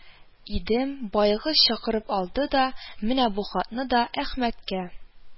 Идем, баегыз чакырып алды да, менә бу хатны да әхмәткә